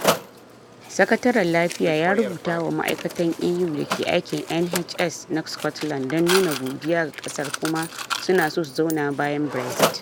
Sakataren Lafiya ya rubuta wa ma'aikatan EU da ke aikin NHS na Scotland don nuna godiya ga kasar kuma su na so su zauna bayan-Brexit.